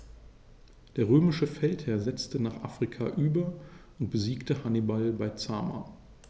Der römische Feldherr setzte nach Afrika über und besiegte Hannibal bei Zama.